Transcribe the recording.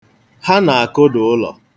Ha na-akụda ụlọ.